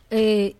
Ee